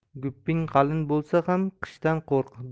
gupping qalin bo'lsa ham qishdan qo'rq